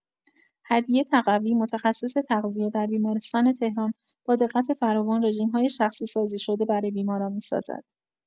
هدیه تقوی، متخصص تغذیه در بیمارستان تهران، با دقت فراوان رژیم‌های شخصی‌سازی‌شده برای بیماران می‌سازد.